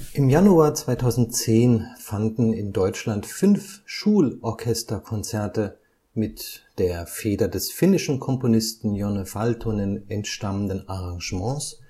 IGN Im Januar 2010 fanden in Deutschland fünf Schul-Orchesterkonzerte mit der Feder des finnischen Komponisten Jonne Valtonen entstammenden Arrangements